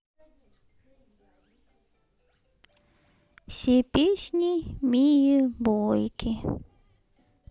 все песни мии бойки